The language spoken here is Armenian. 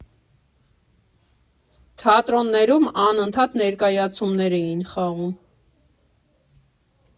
Թատրոններում անընդհատ ներկայացումներ էին խաղում։